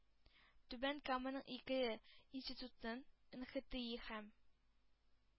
– түбән каманың ике институтын энхытыи һәм